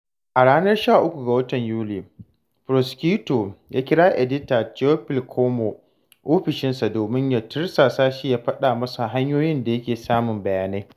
A ranar 13 ga watan Yuli, furosikyuto ya kira edita Théophile Kouamouo ofishinsa domin ya tursasa shi, ya faɗa masa hanyoyin da yake samun bayanai.